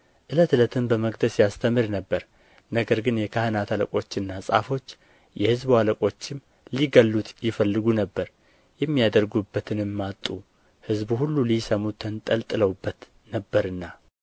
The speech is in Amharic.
ዕለት ዕለትም በመቅደስ ያስተምር ነበር ነገር ግን የካህናት አለቆችና ጻፎች የሕዝቡ ታላላቆችም ሊገድሉት ይፈልጉ ነበር የሚያደርጉበትንም አጡ ሕዝቡ ሁሉ ሲሰሙት ተንጠልጥለውበት ነበርና